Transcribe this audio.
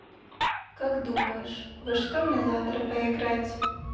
как думаешь во что мне завтра поиграть